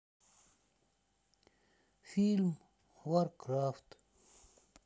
фильм варкрафт